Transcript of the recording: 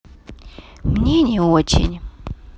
мне не очень